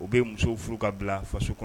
U bɛ muso furu ka bila faso kɔnɔ